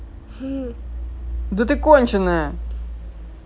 ты конченная